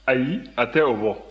ayi a tɛ o bɔ